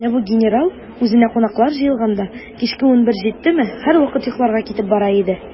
Менә бу генерал, үзенә кунаклар җыелганда, кичке унбер җиттеме, һәрвакыт йокларга китеп бара иде.